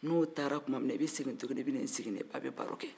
n'o taara tuma min na i bɛna i sigi n kɔ tuguni i ni ba ka baro kɛ